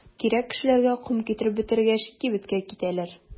Кирәк кешеләргә ком китереп бетергәч, кибеткә китәләр.